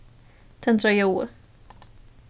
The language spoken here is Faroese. tendra ljóðið